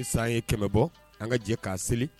I san ye 100 bɔ an ŋa jɛ k'a seli